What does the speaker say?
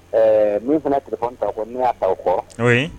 Ɛɛ min fana tile' fɔ ne' awaw kɔ